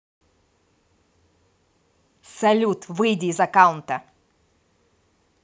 салют выйди из аккаунта